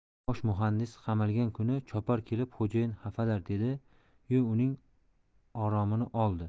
bosh muhandis qamalgan kuni chopar kelib xo'jayin xafalar dedi yu uning oromini oldi